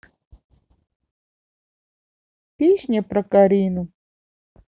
песня про карину